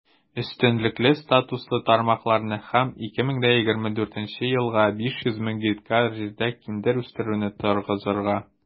Өстенлекле статуслы тармакларны һәм 2024 елга 500 мең гектар җирдә киндер үстерүне торгызырга.